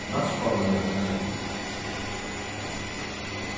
næstformaðurin traðkar til